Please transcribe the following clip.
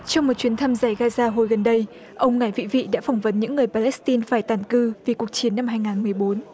trong một chuyến thăm dải ga da hồi gần đây ông ngải vị vị đã phỏng vấn những người pa lét tin phải tản cư vì cuộc chiến năm hai ngàn mười bốn